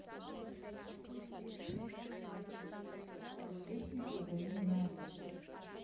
песня позови меня алиса